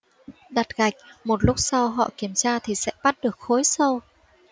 đặt gạch một lúc sau họ kiểm tra thì sẽ bắt được khối sâu